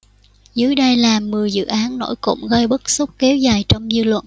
dưới đây là mười dự án nổi cộm gây bức xúc kéo dài trong dư luận